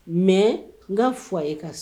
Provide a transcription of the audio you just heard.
Mais n ka foyer ka s